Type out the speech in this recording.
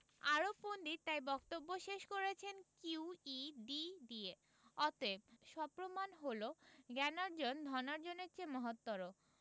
আরব পণ্ডিত তাই বক্তব্য শেষ করেছেন কিউ ই ডি দিয়ে অতএব সপ্রমাণ হল জ্ঞানার্জন ধনার্জনের চেয়ে মহত্তর